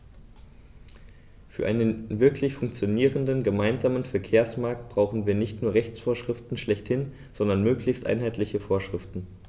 Für einen wirklich funktionierenden gemeinsamen Verkehrsmarkt brauchen wir nicht nur Rechtsvorschriften schlechthin, sondern möglichst einheitliche Vorschriften.